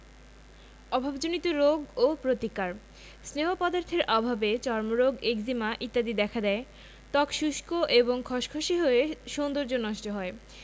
অভাবজনিত রোগ ও প্রতিকার স্নেহ পদার্থের অভাবে চর্মরোগ একজিমা ইত্যাদি দেখা দেয় ত্বক শুষ্ক এবং খসখসে হয়ে সৌন্দর্য নষ্ট হয়